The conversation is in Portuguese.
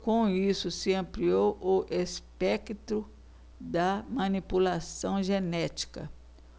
com isso se ampliou o espectro da manipulação genética